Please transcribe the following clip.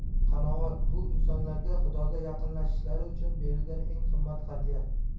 qanoat bu insonlarga xudoga yaqinlashishlari uchun berilgan eng qimmat hadya